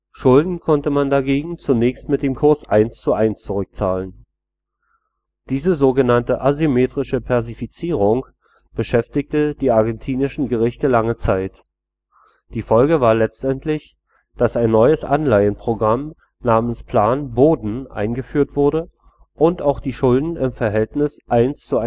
Schulden konnte man dagegen zunächst mit dem Kurs 1:1 zurückzahlen. Diese so genannte asymmetrische Pesifizierung beschäftigte die argentinischen Gerichte lange Zeit, die Folge war letztendlich, dass ein neues Anleihen-Programm namens Plan BODEN eingeführt wurde und auch die Schulden im Verhältnis 1:1,4